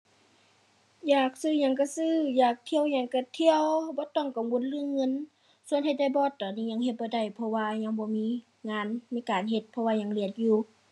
อยากซื้อหยังก็ซื้อ อยากเที่ยวหยังก็เที่ยว บ่ต้องกังวลเรื่องเงิน ส่วนเฮ็ดได้บ่ตอนนี้ยังเฮ็ดบ่ได้ เพราะว่ายังบ่มีงานมีการเฮ็ด เพราะว่ายังเรียนอยู่